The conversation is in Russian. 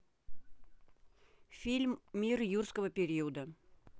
фильм мир юрского периода